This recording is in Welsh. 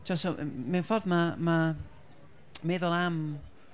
Timod so, mewn ffordd ma- ma- meddwl am...